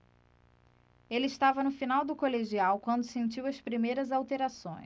ele estava no final do colegial quando sentiu as primeiras alterações